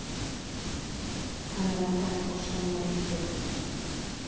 ханна монтана пошлой молли с текстом